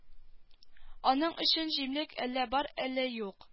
Аның өчен җимлек әллә бар әллә юк